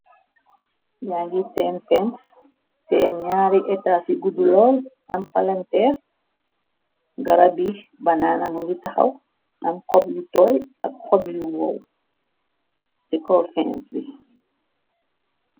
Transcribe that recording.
Yaa ngi tam fhanks teen naari eta ci guddu lool am palanteer garabi banaanamundi taxaw am xob yu tooy ak xob yu woow ci callfanc bi.